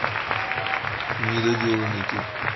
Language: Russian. недоделанный ты